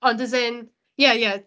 Ond as in, ie ie.